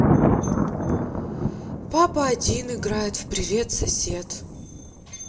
папа один играет в привет сосед